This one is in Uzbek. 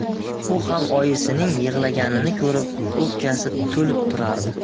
u ham oyisining yig'laganini ko'rib o'pkasi to'lib turardi